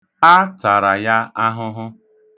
A tara ya ahụhụ.